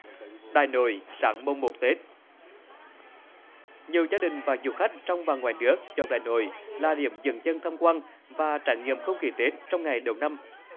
đại nội sáng mồng một tết nhiều gia đình và du khách trong và ngoài nước chọn đại nội là điểm dừng chân tham quan và trải nghiệm không khí tết trong ngày đầu năm